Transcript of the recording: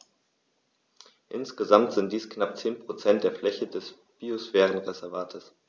Insgesamt sind dies knapp 10 % der Fläche des Biosphärenreservates.